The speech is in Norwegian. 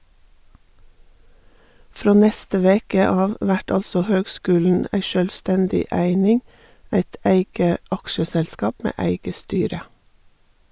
Frå neste veke av vert altså høgskulen ei sjølvstendig eining, eit eige aksjeselskap med eige styre.